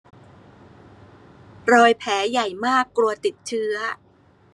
รอยแผลใหญ่มากกลัวติดเชื้อ